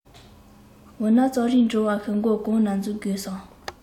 འོ ན རྩོམ ཡིག འབྲི བར མགོ གང ནས འཛུགས དགོས སམ